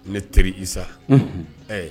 Ne te i sa ɛɛ